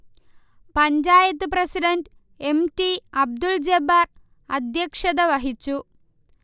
Panchayat president M. T. Abdul Jabbar അധ്യക്ഷതവഹിച്ചു